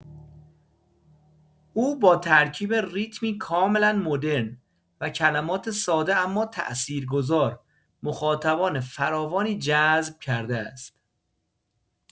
او با ترکیب ریتمی کاملا مدرن و کلمات ساده اما تاثیرگذار، مخاطبان فراوانی جذب کرده است.